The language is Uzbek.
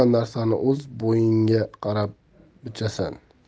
o'z bo'yingga qarab bichasan